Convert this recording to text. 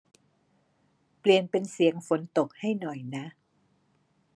เปลี่ยนเป็นเสียงฝนตกให้หน่อยนะ